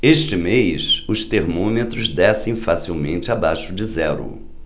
este mês os termômetros descem facilmente abaixo de zero